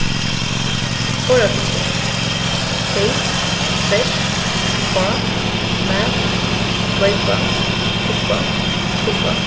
orðalisti keyp vers uppá math loypa puffa skula